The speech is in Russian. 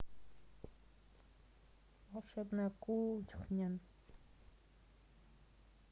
волшебная кухня на ютуб